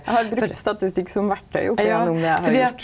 eg har brukt statistikk som verktøy oppigjennom det har eg gjort.